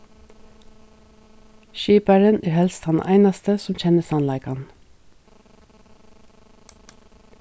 skiparin er helst tann einasti sum kennir sannleikan